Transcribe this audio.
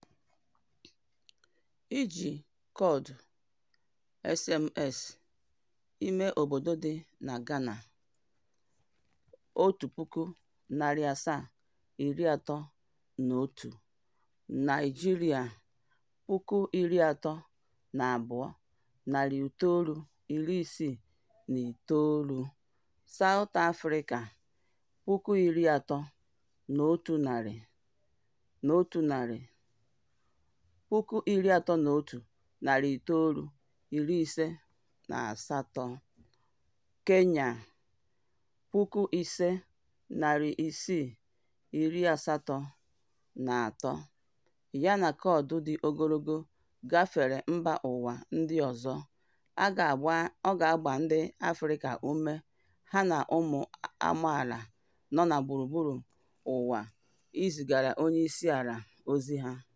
Iji koodu SMS imeobodo dị na Ghana (1731), Nigeria (32969), South Africa (31958) na Kenya (5683), yana koodu dị ogologo gafere mbaụwa ndị ọzọ*, a ga-agba ndị Afrịka ume ha na ụmụ amaala nọ na gburugburu ụwa ị zịgara onyeisiala ozi ha.